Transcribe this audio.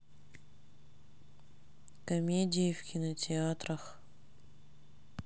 комедии в кинотеатрах